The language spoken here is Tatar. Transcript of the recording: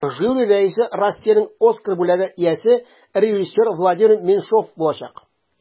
Жюри рәисе Россиянең Оскар бүләге иясе режиссер Владимир Меньшов булачак.